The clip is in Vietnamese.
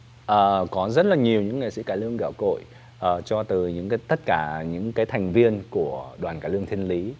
ờ có rất là nhiều những nghệ sĩ cải lương gạo cội ờ cho từ những cái tất cả những cái thành viên của đoàn cải lương thiên lý